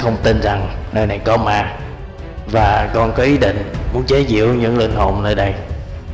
không tin rằng nơi này có ma và còn có ý định muốn chế diễu những linh hồn nơi đây